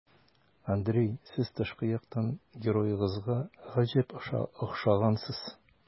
Андрей, сез тышкы яктан героегызга гаҗәп охшагансыз.